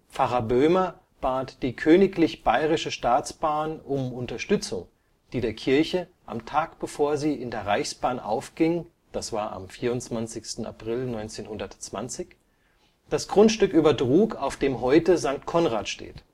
Pfarrer Böhmer bat die Königlich Bayerische Staatsbahn um Unterstützung, die der Kirche, am Tag bevor sie in der Reichsbahn aufging (24. April 1920), das Grundstück übertrug, auf dem heute St. Konrad steht